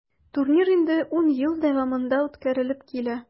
Турнир инде 10 ел дәвамында үткәрелеп килә.